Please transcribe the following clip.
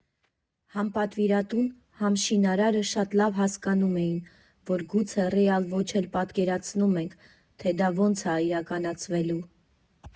Համ պատվիրատուն, համ շինարարը շատ լավ հասկանում էին, որ գուցե ռեալ ոչ էլ պատկերացնում ենք, թե դա ոնց ա իրականացվելու։